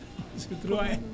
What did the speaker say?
je croyais